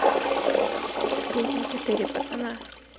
песня четыре пацана